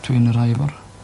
dwi'n y rhai efo rho-